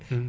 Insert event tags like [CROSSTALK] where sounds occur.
[HESITATION] [HESITATION]